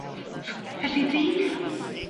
Elli di?